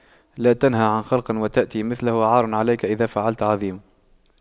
لا تنه عن خلق وتأتي مثله عار عليك إذا فعلت عظيم